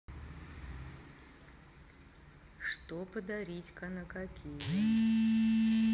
что подарить ка на какие